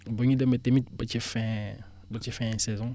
ba ñu demee tamit ba ca fin ba ca fin saison